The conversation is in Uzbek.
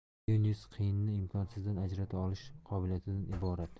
genius qiyinni imkonsizdan ajrata olish qobiliyatidan iborat